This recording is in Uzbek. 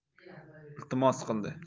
iltimos qildi